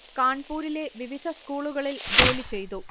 കാൺപൂരിലെ വിവിധ സ്കൂളുകളിൽ ജോലി ചെയ്തു